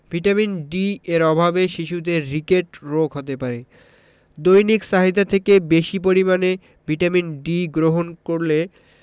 vitamin D এর অভাবে শিশুদের রিকেট রোগ হতে পারে দৈনিক চাহিদা থেকে বেশী পরিমাণে ভিটামিন ডি গ্রহণ করলে